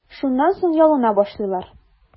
Шуннан соң ялына башлыйлар.